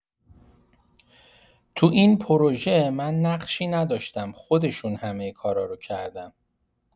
تو این پروژه من نقشی نداشتم، خودشون همه کارا رو کردن.